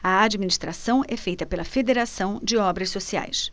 a administração é feita pela fos federação de obras sociais